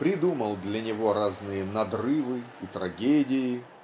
придумал для него разные надрывы и трагедии.